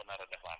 ok